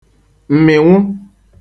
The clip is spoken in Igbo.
m̀mị̀nwụ